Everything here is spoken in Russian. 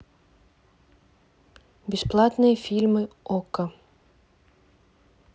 бесплатные фильмы окко